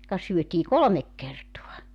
ka syötiin kolme kertaa